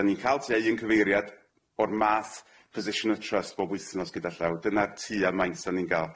Dan ni'n ca'l tua un cyfeiriad o'r math position y trust bob wythnos gyda llaw dyna'r tua maint a'n ni'n ga'l.